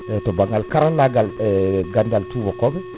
eyyi to banggala karallagal e gandal tubakoɓe